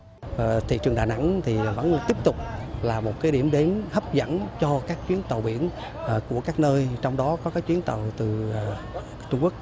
ờ thị trường đà nẵng thì vẫn tiếp tục là một cái điểm đến hấp dẫn cho các chuyến tàu biển ờ của các nơi trong đó có các chuyến tàu từ trung quốc